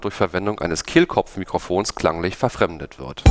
Verwendung eines Kehlkopfmikrofons klanglich verfremdet wird